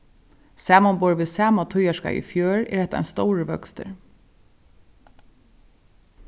samanborið við sama tíðarskeið í fjør er hetta ein stórur vøkstur